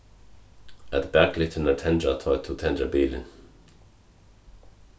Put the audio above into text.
at baklyktirnar tendra tá tú tendrar bilin